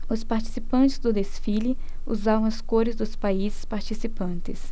os participantes do desfile usavam as cores dos países participantes